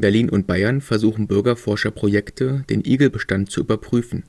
Berlin und Bayern versuchen Bürgerforscher-Projekte, den Igelbestand zu überprüfen.